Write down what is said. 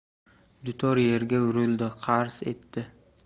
dutor yerga urildi qars etdi